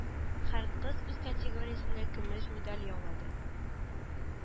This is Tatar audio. Һәр кыз үз категориясендә көмеш медаль яулады